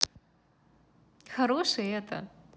хороший это